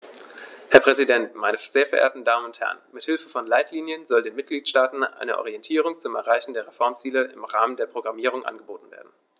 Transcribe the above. Herr Präsident, meine sehr verehrten Damen und Herren, mit Hilfe von Leitlinien soll den Mitgliedstaaten eine Orientierung zum Erreichen der Reformziele im Rahmen der Programmierung angeboten werden.